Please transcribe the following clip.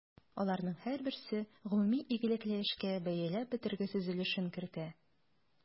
Аларның һәрберсе гомуми игелекле эшкә бәяләп бетергесез өлешен кертә.